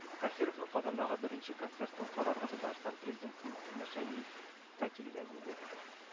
Каһировның Казандагы беренче концертын карарга Татарстан президенты Миңтимер Шәймиев тә килгән иде